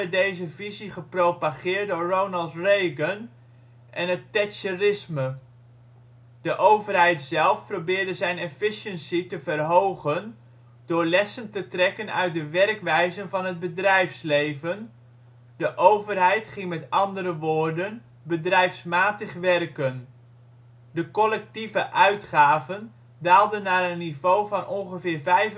deze visie gepropageerd door Ronald Reagan en het Thatcherisme. De overheid zelf probeerde zijn efficiency te verhogen door lessen te trekken uit de werkwijzen van het bedrijfsleven, de overheid ging met andere woorden bedrijfsmatig werken. De collectieve uitgaven daalden naar een niveau van ongeveer 45 %